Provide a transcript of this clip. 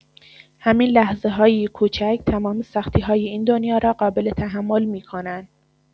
همین لحظه‌هایی کوچک تمام سختی‌های این دنیا را قابل‌تحمل می‌کنن.